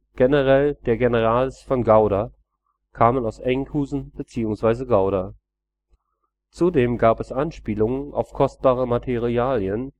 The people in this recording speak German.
Generael der Generaels van Gouda ' kamen aus Enkhuizen bzw. Gouda. Zudem gab es Anspielungen auf kostbare Materialien